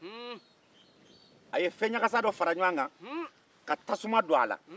a ye fɛnɲakasa dɔ fara ɲɔgɔn kan ka tasuma don a la